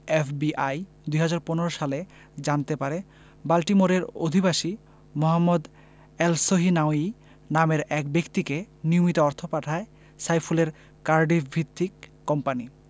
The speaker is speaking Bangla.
এফবিআই ২০১৫ সালে জানতে পারে বাল্টিমোরের অধিবাসী মোহাম্মদ এলসহিনাউয়ি নামের এক ব্যক্তিকে নিয়মিত অর্থ পাঠায় সাইফুলের কার্ডিফভিত্তিক কোম্পানি